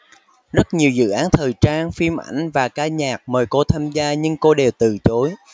rất nhiều dự án thời trang phim ảnh và ca nhạc mời cô tham gia nhưng cô đều từ chối